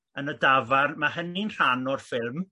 yn y dafarn ma' hynny'n rhan o'r ffilm